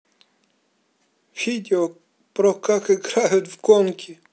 видео про как играют в гонки